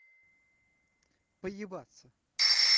поебаться